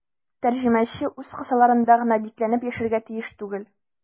Тәрҗемәче үз кысаларында гына бикләнеп яшәргә тиеш түгел.